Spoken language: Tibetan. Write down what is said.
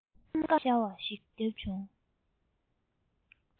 སྐར མ ཤར འདྲ ཞིག བརྒྱབ བྱུང